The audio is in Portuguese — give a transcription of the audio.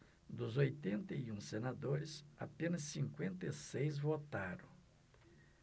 dos oitenta e um senadores apenas cinquenta e seis votaram